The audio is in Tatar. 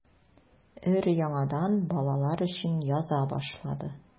Өр-яңадан балалар өчен яза башлады.